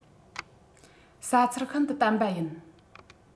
ཟ ཚུལ ཤིན ཏུ དམ པ ཡིན